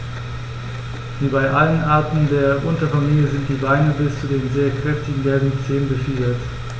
Wie bei allen Arten der Unterfamilie sind die Beine bis zu den sehr kräftigen gelben Zehen befiedert.